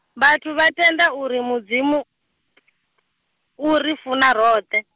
vhathu vhatenda uri Mudzimu , u ri funa roṱhe.